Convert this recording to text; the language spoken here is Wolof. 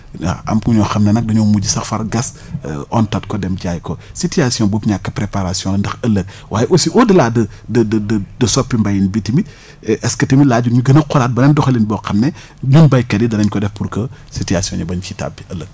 waaw am ci ñoo xam ne nag dañoo mujj sax far gas ontat ko dem jaay ko situation boobu ñàkk préparation la ndax ëllëg waaye aussi au delç de de de de de soppi mbéyin bi tamit est ce que tamit laajut ñu gën a xoolaat beneen doxalin boo xam ne ñun béykat yi danañ ko def pour que situation ñu bañ si tabbi ëllëg